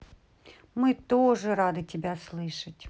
мы тоже рада тебя слышать